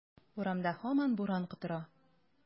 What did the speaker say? Урамда һаман буран котыра.